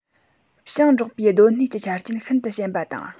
ཞིང འབྲོག པའི སྡོད གནས ཀྱི ཆ རྐྱེན ཤིན ཏུ ཞན པ དང